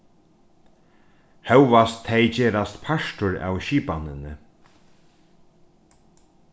hóast tey gerast partur av skipanini